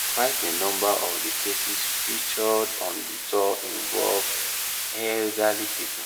Quite a number of the cases featured on the tour involve elderly people.